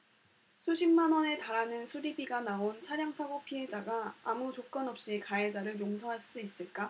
수십만원에 달하는 수리비가 나온 차량사고 피해자가 아무 조건없이 가해자를 용서할 수 있을까